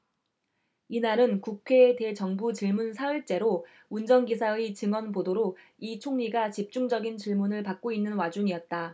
이날은 국회 대정부질문 사흘째로 운전기사의 증언 보도로 이 총리가 집중적인 질문을 받고 있는 와중이었다